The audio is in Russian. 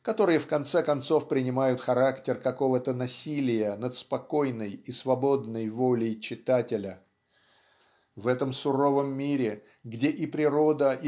которые в конце концов принимают характер какого-то насилия над спокойной и свободной волей читателя. В этом суровом мире где и природа